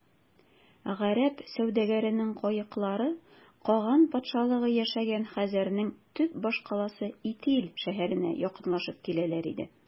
Гарәп сәүдәгәренең каеклары каган патшалыгы яшәгән хәзәрнең төп башкаласы Итил шәһәренә якынлашып киләләр иде.